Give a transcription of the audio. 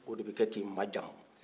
o de bɛ kɛ k'i majamu